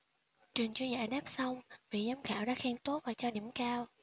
trình chưa giải đáp xong vị giám khảo đã khen tốt và cho điểm cao